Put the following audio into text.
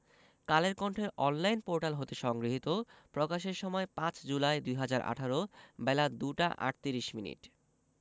কালের কন্ঠের online portal হতে সংগৃহীত প্রকাশের সময় ৫ জুলাই ২০১৮ বেলা ২টা ৩৮ মিনিট